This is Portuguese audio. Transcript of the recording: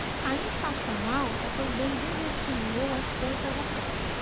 a inflação alta também desestimulou as compras a prazo